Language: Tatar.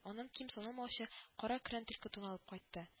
Аннан ким саналмаучы кара көрән төлке туны алып кайтты